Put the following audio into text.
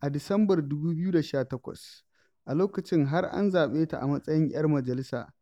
A Disambar 2018, a lokacin har an zaɓe ta a matsayin 'yar majalisa,